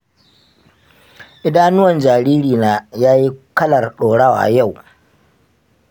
idanuwan jaririna yayi kalar ɗorawa yau